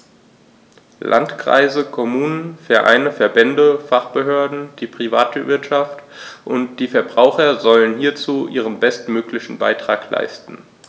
Landkreise, Kommunen, Vereine, Verbände, Fachbehörden, die Privatwirtschaft und die Verbraucher sollen hierzu ihren bestmöglichen Beitrag leisten.